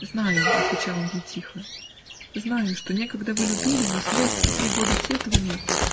"-- "Знаю, -- отвечал он ей тихо, -- знаю, что некогда вы любили, но смерть и три года сетований.